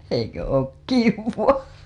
eikö ole kivaa